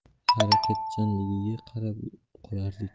harakatchanligiga qarab qolardik